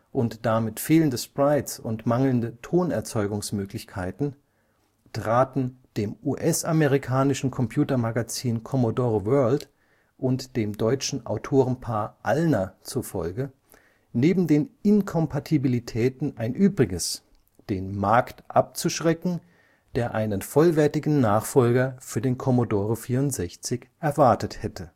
und damit fehlende Sprites und mangelnde Tonerzeugungsmöglichkeiten taten dem US-amerikanischen Computermagazin Commodore World und dem deutschen Autorenpaar Allner zufolge neben den Inkompatibilitäten ein übriges, „ den Markt “abzuschrecken, der einen vollwertigen Nachfolger für den Commodore 64 erwartet hätte